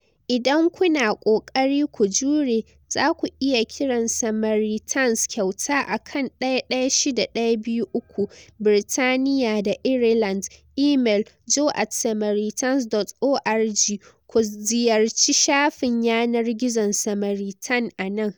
Idan kuna ƙoƙari ku jure, za ku iya kiran Samaritans kyauta akan 116 123 (Birtaniya da Ireland), imail jo@samaritans.org, ko ziyarci shafin yanar gizon Samaritan a nan.